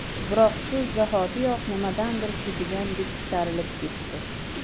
biroq shu zahotiyoq nimadandir cho'chigandek tisarilib ketdi